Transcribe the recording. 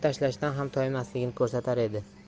tashlashdan ham toymasligini ko'rsatar edi